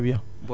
booyal